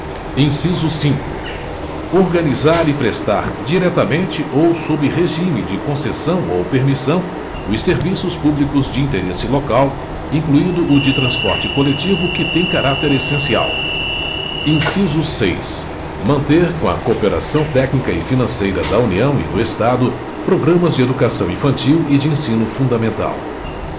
inciso cinco organizar e prestar diretamente ou sob regime de concessão ou permissão os serviços públicos de interesse local incluído o de transporte coletivo que tem caráter essencial inciso seis manter com a cooperação técnica e financeira da união e do estado programas de educação infantil e de ensino fundamental